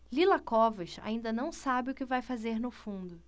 lila covas ainda não sabe o que vai fazer no fundo